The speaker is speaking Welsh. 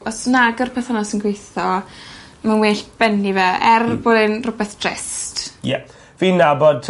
Os nag yw'r perthynas yn gweitho ma'n well benni fe er bo'r e'n rwbeth drist. Ie. Fi'n nabod